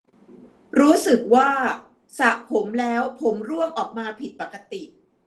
รู้สึกว่าสระผมแล้วผมร่วงออกมาผิดปกติ